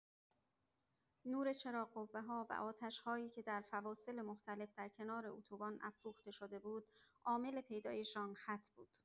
نور چراغ‌قوه‌ها و آتش‌هایی که در فواصل مختلف در کنار اتوبان افروخته شده بود، عامل پیدایش آن خط بود.